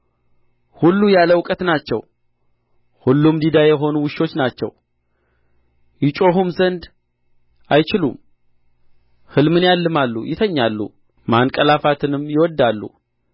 ሁሉ ያለ እውቀት ናቸው ሁሉም ዲዳ የሆኑ ውሾች ናቸው ይጮኹም ዘንድ አይችሉም ሕልምን ያልማሉ ይተኛሉ ማንቀላፋትንም ይወድዳሉ